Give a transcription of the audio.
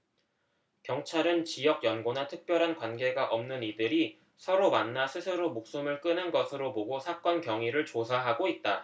경찰은 지역 연고나 특별한 관계가 없는 이들이 서로 만나 스스로 목숨을 끊은 것으로 보고 사건 경위를 조사하고 있다